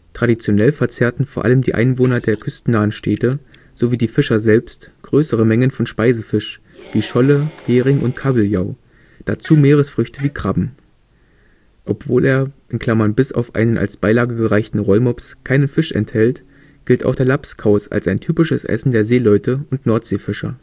Traditionell verzehrten vor allem die Einwohner der küstennahen Städte, sowie die Fischer selbst, größere Mengen von Speisefisch, wie Scholle, Hering und Kabeljau, dazu Meeresfrüchte, wie Krabben. Obwohl er (bis auf einen als Beilage gereichten Rollmops) keinen Fisch enthält, gilt auch der Labskaus als ein typisches Essen der Seeleute und Nordseefischer